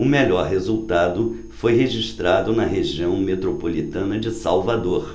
o melhor resultado foi registrado na região metropolitana de salvador